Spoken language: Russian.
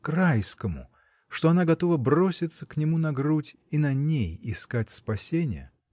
к Райскому, что она готова броситься к нему на грудь и на ней искать спасения.